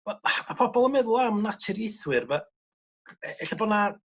we- a ma' pobol yn meddwl am naturiaethwyr fe- e- ella bo' 'na